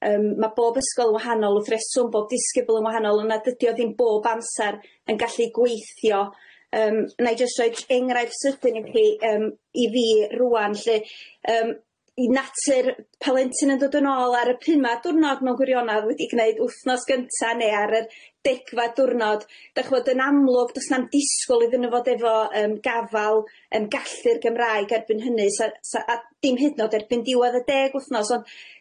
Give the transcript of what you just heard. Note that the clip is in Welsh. yym ma' bob ysgol yn wahanol w'th reswm bob disgybl yn wahanol ond nad ydi o ddim bob amsar yn gallu gweithio yym nâi jyst roid enghraifft sydyn i chi yym i fi rŵan lly yym i natur plentyn yn dod yn ôl ar y pymad diwrnod mewn gwirionadd wedi gneud wthnos gynta neu ar yr degfad diwrnod 'dach ch'bod yn amlwg do's 'na'm disgwl iddyn nhw fod efo yym gafal yym gallu'r Gymraeg erbyn hynny sa- sa- a dim hyd'n o'd erbyn diwedd y deg wthnos ond